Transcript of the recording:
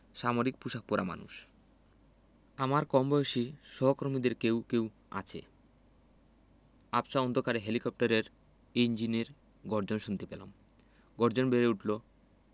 সামরিক পোশাক পরা মানুষ আমার কমবয়সী সহকর্মীদের কেউ কেউ আছে আবছা অন্ধকারে হেলিকপ্টারের ইঞ্জিনের গর্জন শুনতে পেলাম গর্জন বেড়ে উঠলো